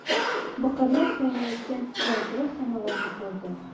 biqirlab qaynayotgan yaltiroq somovarni ko'rdi